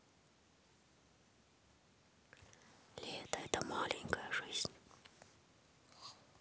лето это маленькая жизнь